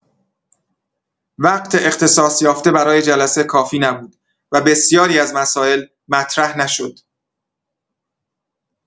وقت اختصاص‌یافته برای جلسه کافی نبود و بسیاری از مسائل مطرح نشد.